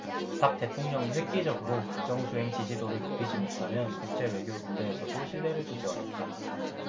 박 대통령이 획기적으로 국정수행지지도를 높이지 못하면 국제 외교 무대에서도 신뢰를 주기 어렵다